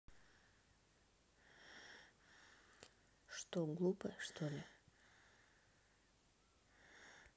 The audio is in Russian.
что глупая что ли